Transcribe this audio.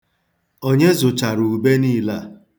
Onye zụchara ube niile a?